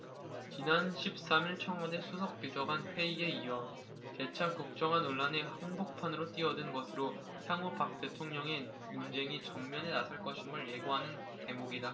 지난 십 삼 일 청와대 수석비서관회의에 이어 재차 국정화 논란의 한복판으로 뛰어든 것으로 향후 박 대통령이 논쟁의 전면에 나설 것임을 예고하는 대목이다